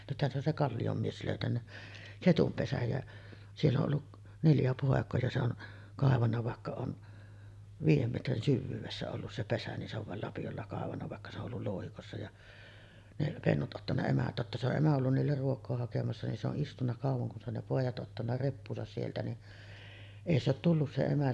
nythän se on se Kallion mies löytänyt ketun pesän ja siellä on ollut neljä poikaa ja se on kaivanut vaikka on viiden metrin syvyydessä ollut se pesä niin se on vain lapiolla kaivanut vaikka se on ollut louhikossa ja ne pennut ottanut emä totta se on emä ollut niille ruokaa hakemassa niin se on istunut kauan kun se on ne pojat ottanut reppuunsa sieltä niin ei se ole tullut se emä